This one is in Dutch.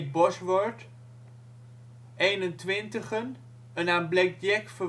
Bosworth Eenentwintigen, een aan blackjack